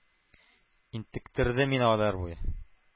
Интектерде мине айлар буе